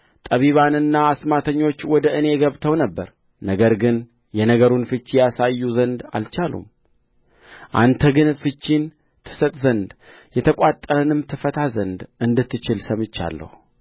ጠቢባንና አስማተኞች ወደ እኔ ገብተው ነበር ነገር ግን የነገሩን ፍቺ ያሳዩ ዘንድ አልቻሉም አንተ ግን ፍቺን ትሰጥ ዘንድ የተቋጠረንም ትፈታ ዘንድ እንድትችል ሰምቻለሁ